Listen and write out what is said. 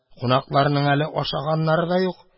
Кунакларның әле ашаганнары да юк.